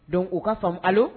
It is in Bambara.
Donc u k'a faamu allo